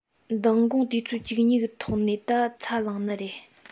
མདའ དགོང དུས ཚོད བཅུ གཉིས གི ཐོག ནས ད ཚ ལངས ནི རེད